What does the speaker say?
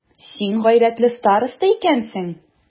Син гайрәтле староста икәнсең.